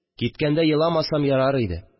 Киткәндә еламасам ярар иде.